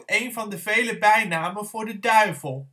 een van de vele bijnamen voor de duivel